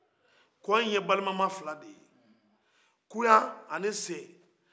kɔ in ye balemama fila de ye koya ani sen